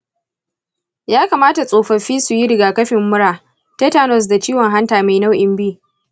ya kamata tsofaffi su yi rigakafin mura, tetanus, da ciwon hanta mai nau’in b.